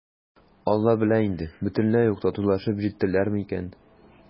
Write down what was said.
«алла белә инде, бөтенләй үк татулашып җиттеләрме икән?»